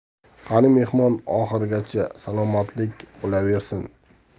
qani mehmon oxirigacha salomatlik bo'laversin